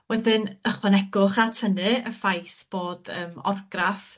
wedyn ychwanegwch at hynny y ffaith bod yym orgraff